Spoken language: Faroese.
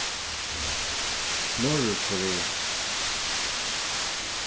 norðurkorea